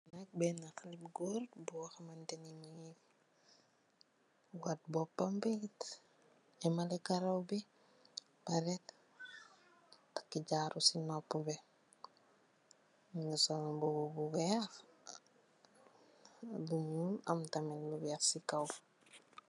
Bena goor bu hamanteneh mogi watt mbopam bi emaleh garaw gi bapareh taka jaaru si nopa bi mogi sol mbuba bu weex lu nuul am tam lu weex si kaw.